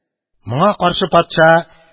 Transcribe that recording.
Моңа каршы патша